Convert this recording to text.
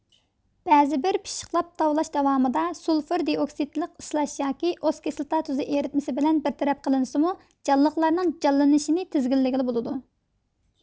بەزىبىر پىششىقلاپ تاۋلاش داۋامىدا سۇلفۇر دىئوكسىدلىق ئىسلاش ياكى ئوس كىسلاتا تۇزى ئېرىتمىسى بىلەن بىر تەرەپ قىلىنسىمۇ جانلىقلارنىڭ جانلىنىشىنى تىزگىنلىگىلى بولىدۇ